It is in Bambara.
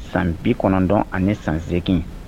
San bi kɔnɔntɔn ani ni san zegin